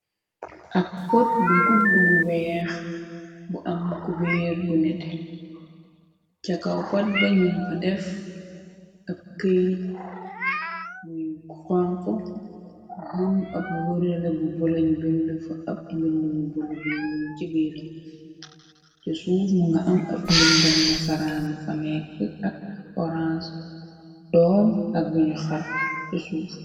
Ab pot bu gudd bu weex bu am kubeer gu nete cakaw pat bañum fa def ab këyit muy xonxo am ab wërale bu bula ñu bind fa ab mbindumi bula buñuu ci beera ca suuf mu nga am ab mbindam na saraanu xa nekk ak ab orange doom ak buñu xar ca suuf.